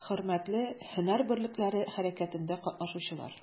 Хөрмәтле һөнәр берлекләре хәрәкәтендә катнашучылар!